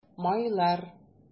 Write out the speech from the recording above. Майлар